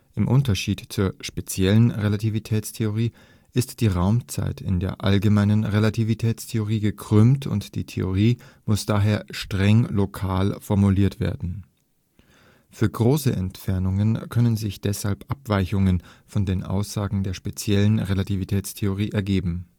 Im Unterschied zur speziellen Relativitätstheorie ist die Raumzeit in der allgemeinen Relativitätstheorie gekrümmt und die Theorie muss daher streng lokal formuliert werden. Für große Entfernungen können sich deshalb Abweichungen von den Aussagen der speziellen Relativitätstheorie ergeben